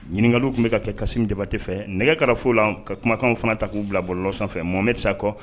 Ɲininkaka tun bɛ ka kɛ kasi debate fɛ nɛgɛ kɛra fo la ka kumakanw fana ta k'u bila bɔlɔ sanfɛfɛ mɔme sa kɔ